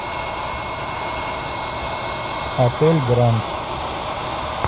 отель гранд